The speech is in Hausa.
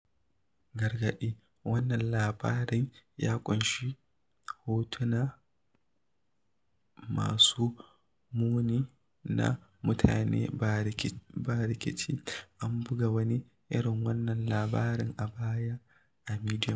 Gargaɗi: wannan labarin ya ƙunshi hotuna masu muni na mutuwa ba rikici: An buga wani irin wannan labarin a baya a Medium.